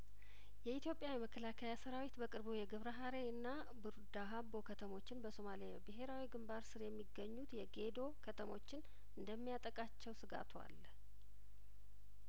የኢትዮጵያ የመከላከያሰራዊት በቅርቡ የገብረ ሀሬ እና ቡርዳሀቦ ከተሞችን በሶማሊያ ብሄራዊ ግንባር ስር የሚገኙት የጌዶ ከተሞችን እንደሚያጠቃቸው ስጋቱ አለ